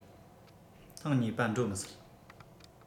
ཐེངས གཉིས པ འགྲོ མི སྲིད